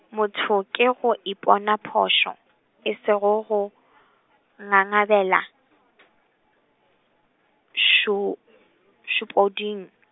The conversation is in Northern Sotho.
motho ke go ipona phošo e sego go ngangabela šo šopoding.